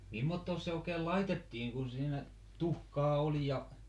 mimmottoos se oikein laitettiin kun siinä tuhkaa oli ja